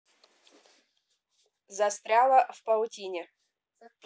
застряла в паутине